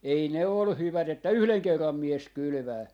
ei ne ole hyvät että yhden kerran mies kylvää